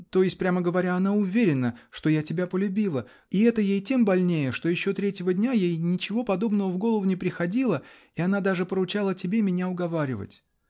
то есть, прямо говоря, она уверена, что я тебя полюбила, -- и это ей тем больнее, что еще третьего дня ей ничего подобного в голову не приходило и она даже поручала тебе меня уговаривать.